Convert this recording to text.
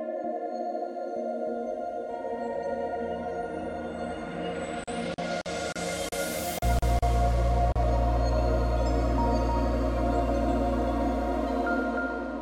Wa